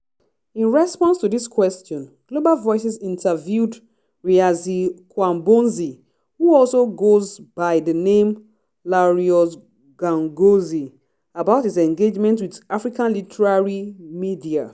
In response to this question, Global Voices interviewed Réassi Ouabonzi, who also goes by the name Lareus Gangoueus about his engagement with African literary media.